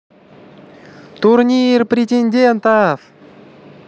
турнир претендент